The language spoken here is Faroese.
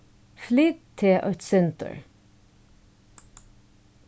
flyt teg eitt sindur